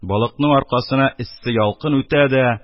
Балыкның аркасына эссе ялкын үтә дә,